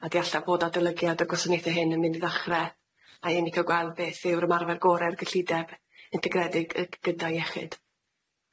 A di allaf bod adolygiad y gwasanaethe hyn yn mynd i ddechre, a i ni ga'l gweld beth yw'r ymarfer gore'r gyllideb integredig yy gyda iechyd.